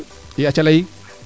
aca leyi